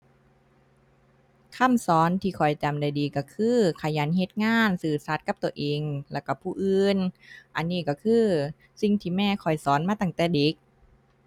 คำสอนที่ข้อยจำได้ดีก็คือขยันเฮ็ดงาน ซื่อสัตย์กับตัวเอง แล้วก็ผู้อื่น อันนี้ก็คือสิ่งที่แม่ข้อยสอนมาตั้งแต่เด็ก